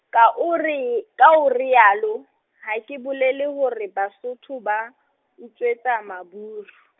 ka o re, ka o re yalo, ha ke bolele hore Basotho ba, utswetsa Maburu.